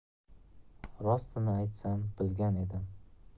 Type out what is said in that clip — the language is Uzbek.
rostini aytsam bilgan edim